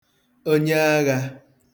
onye aghā